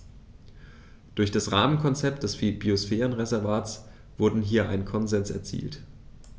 Durch das Rahmenkonzept des Biosphärenreservates wurde hier ein Konsens erzielt.